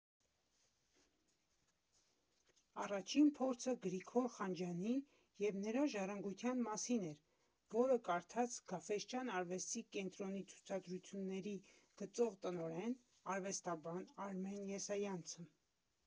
Առաջին փորձը Գրիգոր Խանջյանի և նրա ժառանգության մասին էր, որը կարդաց Գաֆէսճեան արվեստի կենտրոնի ցուցադրությունների գծով տնօրեն, արվեստաբան Արմեն Եսայանցը։